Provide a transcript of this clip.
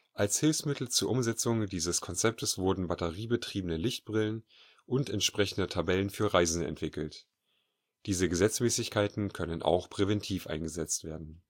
Als Hilfsmittel zur Umsetzung dieses Konzeptes wurden batteriebetriebene „ Lichtbrillen “und entsprechende Tabellen für Reisende entwickelt. Diese Gesetzmäßigkeiten können auch präventiv eingesetzt werden